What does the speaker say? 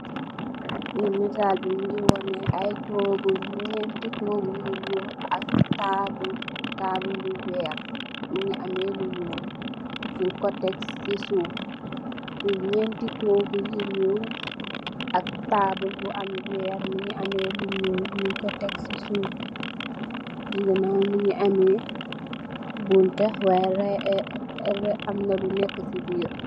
Li netal bi mogi woneh ay togu neenti togu yu nuul ak tabul tabuli weer mogi ameh lu nuul nyun ko teck si suuf li neenti togu yu nuul ak tabul bu am weer mogi ameh lu nuul nyun ko teck si suuf li mom mogi ameh bunta y amna lu neka si birr.